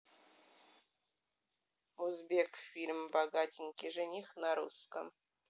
узбек фильм богатенький жених на русском